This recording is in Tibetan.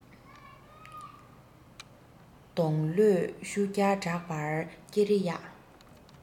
སྡོང ལོས ཤུ སྒྲ བསྒྲགས པར སྐྱི རེ གཡའ